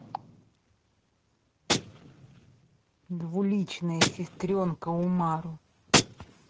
двуличная сестренка умару